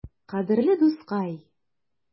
Кадерле дускай!